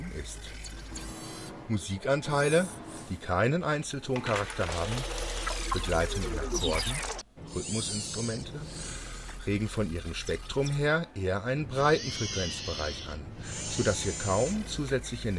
ist. Musikanteile, die keinen Einzelton-Charakter haben (Begleitung in Akkorden, Rhythmusinstrumente) regen von ihrem Spektrum her eher einen breiten Frequenzbereich an, so dass hier kaum zusätzliche Nervenzellen